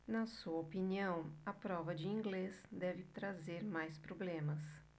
na sua opinião a prova de inglês deve trazer mais problemas